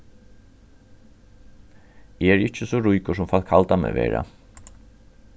eg eri ikki so ríkur sum fólk halda meg vera